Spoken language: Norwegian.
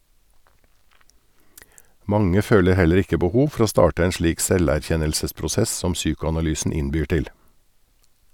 Mange føler heller ikke behov for å starte en slik selverkjennelsesprosess som psykoanalysen innbyr til.